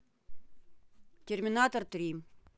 терминатор три